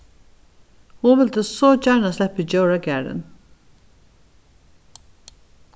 hon vildi so gjarna sleppa í djóragarðin